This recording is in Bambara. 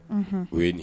O ye nin